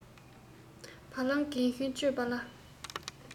བ ལང རྒན གཞོན དཔྱོད པ ལ